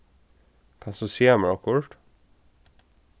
kanst tú siga mær okkurt